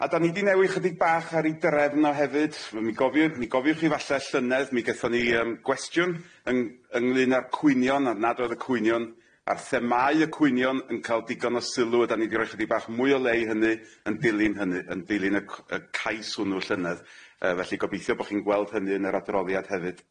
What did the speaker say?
A 'dan ni 'di newid chydig bach ar 'i drefn o hefyd mi gofiw- mi gofiwch chi falle llynedd mi gethon ni yym gwestiwn yng- ynglŷn â'r cwynion a nad oedd y cwynion a'r themâu y cwynion yn ca'l digon o sylw a 'dan ni di roi chydig bach mwy o le i hynny yn dilyn hynny yn dilyn y c- y cais hwnnw llynedd yy felly gobeithio bo chi'n gweld hynny yn yr adroddia hefyd.